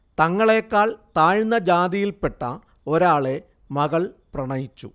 തങ്ങളേക്കാൾ താഴ്ന്ന ജാതിയിൽെപ്പട്ട ഒരാെള മകൾ പ്രണയിച്ചു